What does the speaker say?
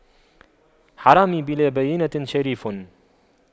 حرامي بلا بَيِّنةٍ شريف